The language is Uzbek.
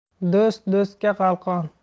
do'st do'stga qalqon